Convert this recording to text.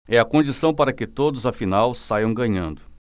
é a condição para que todos afinal saiam ganhando